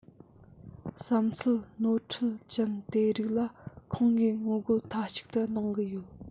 བསམ ཚུལ ནོར འཁྲུལ ཅན དེ རིགས ལ ཁོང གིས ངོ རྒོལ མཐའ གཅིག ཏུ གནང གི ཡོད